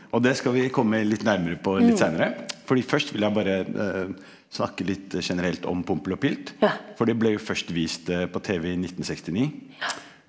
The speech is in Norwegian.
og det skal vi komme litt nærmere på litt seinere fordi først vil jeg bare snakke litt generelt om Pompel og Pilt, for det ble jo først vist på tv i nittensekstini.